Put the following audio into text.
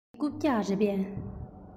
འདི རྐུབ བཀྱག རེད པས